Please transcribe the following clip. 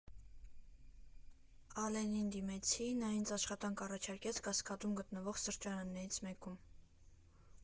Ալենին դիմեցի, նա ինձ աշխատանք առաջարկեց Կասկադում գտնվող սրճարաններից մեկում։